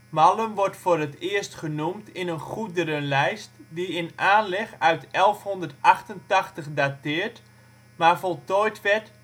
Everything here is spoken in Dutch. Mallem wordt voor het eerst genoemd in een goederenlijst die in aanleg uit 1188 dateert, maar voltooid werd